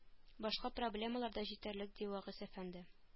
Башка проблемалар да җитәрлек ди вәгиз әфәнде